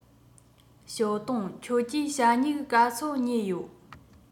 ཞའོ ཏུང ཁྱོད ཀྱིས ཞྭ སྨྱུག ག ཚོད ཉོས ཡོད